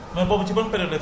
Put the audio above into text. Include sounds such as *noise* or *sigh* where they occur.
*hesitation* *hesitation*